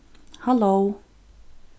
halló